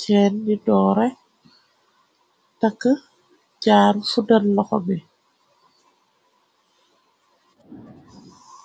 cheen di doore takk jaar fuddal loxo bi.